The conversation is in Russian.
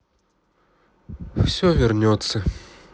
все вернется